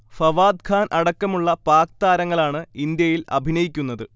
ഫവാദ്ഖാൻ അടക്കമുള്ള പാക് താരങ്ങളാണ് ഇന്ത്യയിൽ അഭിനയിക്കുന്നത്